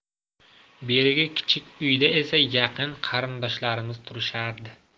berigi kichik uyda esa yaqin qarindoshlarimiz turishardi